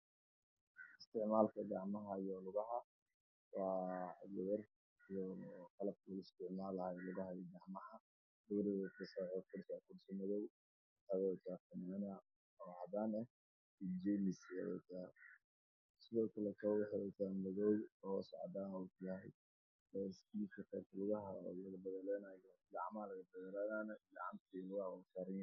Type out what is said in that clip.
Waxaa yaalo qalabka lagu isticmaali jiimka ah oo ka kooban gacmaha iyo lugaha isticmaali kara dumar iyo ragba